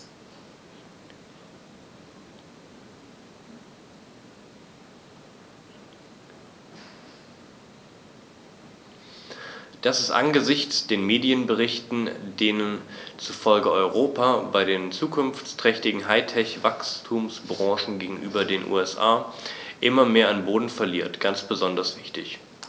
Das ist angesichts von Medienberichten, denen zufolge Europa bei den zukunftsträchtigen High-Tech-Wachstumsbranchen gegenüber den USA immer mehr an Boden verliert, ganz besonders wichtig.